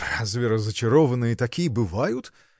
-- Разве разочарованные такие бывают?